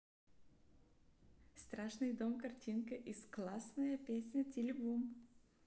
страшный дом картинка из классная песня тили бум